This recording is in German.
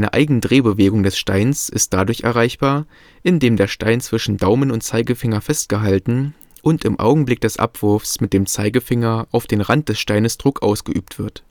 Eigendrehbewegung des Steins ist dadurch erreichbar, indem der Stein zwischen Daumen und Zeigefinger festgehalten und im Augenblick des Abwurfs mit dem Zeigefinger auf den Rand des Steines Druck ausgeübt wird